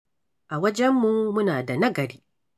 A wajenmu, muna da nagari.